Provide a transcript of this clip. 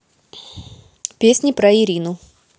песни про ирину